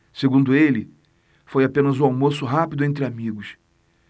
segundo ele foi apenas um almoço rápido entre amigos